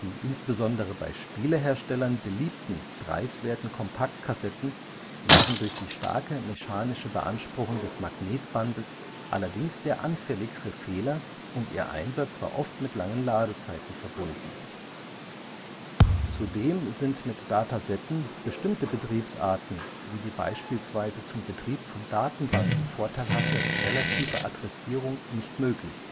insbesondere bei Spieleherstellern beliebten preiswerten Kompaktkassetten waren durch die starke mechanische Beanspruchung des Magnetbandes allerdings sehr anfällig für Fehler und ihr Einsatz war oft mit langen Ladezeiten verbunden. Zudem sind mit Datasetten bestimmte Betriebsarten wie die beispielsweise zum Betrieb von Datenbanken vorteilhafte relative Adressierung nicht möglich